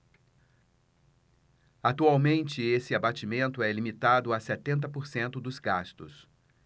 atualmente esse abatimento é limitado a setenta por cento dos gastos